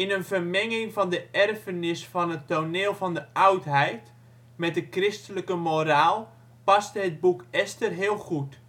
een vermenging van de erfenis van het toneel van de Oudheid met de christelijke moraal paste het boek Esther heel goed